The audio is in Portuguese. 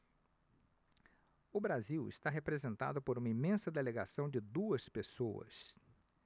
o brasil está representado por uma imensa delegação de duas pessoas